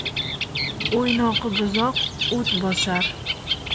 o'ynoqi buzoq o't bosar